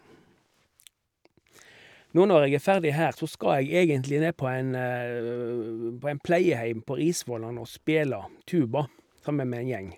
Nå når jeg er ferdig her, så skal jeg egentlig ned på en på en pleieheim på Risvollan og spille tuba sammen med en gjeng.